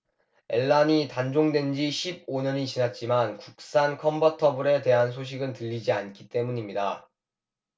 엘란이 단종된 지 십 오 년이 지났지만 국산 컨버터블에 대한 소식은 들리지 않기 때문입니다